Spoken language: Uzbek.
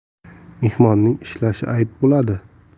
mehmonning ishlashi ayb bo'ladi